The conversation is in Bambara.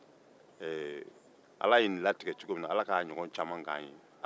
ala ye nin latigɛ cogo min ala ka caman latigɛ o cogo la